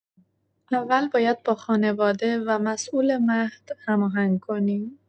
اول باید با خانواده و مسئول مهد هماهنگ کنیم.